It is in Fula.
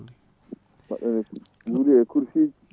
mbaɗɗon e muñje e course uji